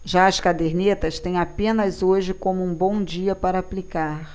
já as cadernetas têm apenas hoje como um bom dia para aplicar